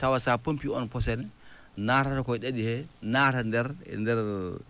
tawa so pompii oon posone natata ko ye ɗaɗi hee naata nder e nder